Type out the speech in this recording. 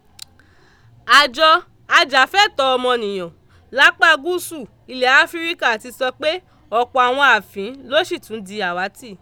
Àjọ ajàfẹ́tọ̀ọ́ ọmọnìyàn lápá gúúsú ilẹ̀ Áfíríkà ti sọ pé ọ̀pọ̀ àwọn àfín ló ṣì tún di àwátì.